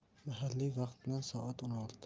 mahalliy vaqt bilan soat o'n olti